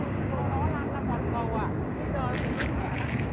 sau đó lan ra toàn cầu à bây giờ giới trẻ đang thích